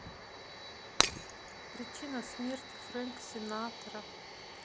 причина смерти frank sinatra